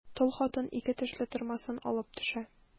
Тол хатын ике тешле тырмасын алып төшә.